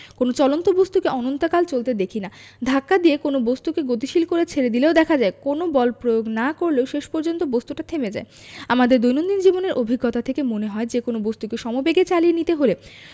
কোনো চলন্ত বস্তুকে অনন্তকাল চলতে দেখি না ধাক্কা দিয়ে কোনো বস্তুকে গতিশীল করে ছেড়ে দিলেও দেখা যায় কোনো বল প্রয়োগ না করলেও শেষ পর্যন্ত বস্তুটা থেমে যায় আমাদের দৈনন্দিন জীবনের অভিজ্ঞতা থেকে মনে হয় যেকোনো কিছুকে সমবেগে চালিয়ে নিতে হলে